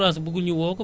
nga assurer ko